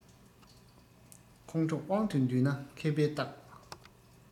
ཁོང ཁྲོ དབང དུ འདུས ན མཁས པའི རྟགས